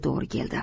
to'g'ri keldi